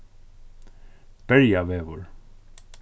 berjavegur